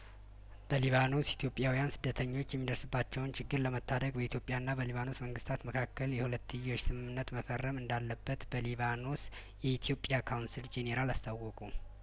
በሊባኖስ ኢትዮጵያውያን ስደተኞች የሚደርስባቸውን ችግር ለመታደግ በኢትዮጵያ ና በሊባኖስ መንግስታት መካከል የሁለትዮሽ ስምምነት መፈረም እንዳለበት በሊባኖስ የኢትዮጵያ ካውንስል ጄኔራል አስታወቁ